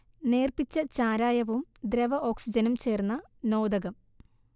നേർപ്പിച്ച ചാരായവും ദ്രവ ഓക്സിജനും ചേർന്ന നോദകം